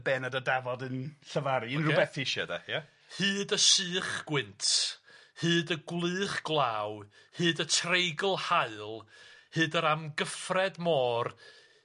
be' ma' dy dafod yn llefaru... Rwbeth ti isie de ia? Hyd y sych gwynt hyd y gwlych glaw hyd y treigl haul hyd yr amgyffred môr